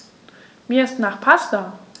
Mir ist nach Pasta.